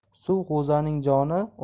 suv g'o'zaning joni